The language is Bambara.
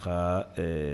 Ka ɛɛ